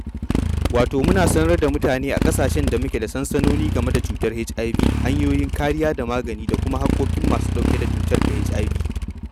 Wato, muna sanar da mutane a ƙasashen da muke da sansanoni game da cutar HIV hanyoyin kariya da magani da kuma haƙƙoƙin masu ɗauke da cutar ta HIV.